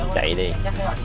chạy đi